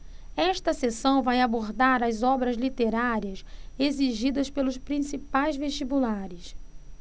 esta seção vai abordar as obras literárias exigidas pelos principais vestibulares